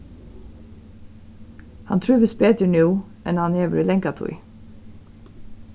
hann trívist betur nú enn hann hevur í langa tíð